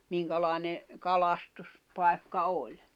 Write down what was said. minkälainen - kalastuspaikka oli